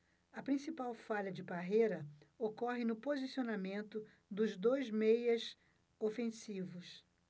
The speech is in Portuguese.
a principal falha de parreira ocorre no posicionamento dos dois meias ofensivos